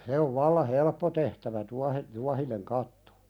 se on vallan helppo tehtävä - tuohinen katto